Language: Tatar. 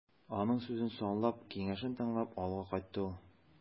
Аның сүзен санлап, киңәшен тыңлап, авылга кайтты ул.